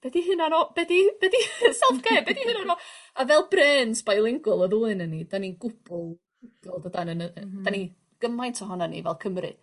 be' 'di hyna'n o- be' 'di be' 'di . A fel brêns bilingual o' rywun yn 'dan ni'n gwbl ... M-hm. ..'dan ni gymaint ohonon ni fel Cymry